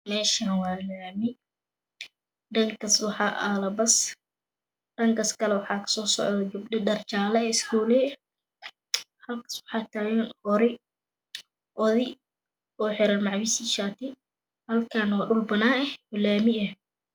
Meeshaani waa laami dhankaas waxaa Aalo bas dhankaas kale waxàa ka Soo socdo gabdho Dhar jaalle eh, iskooley ah halkaas waxaa taagan odi oo xeran macawiish iyo shaati halkaanina waa dhul bannaan eh laamiya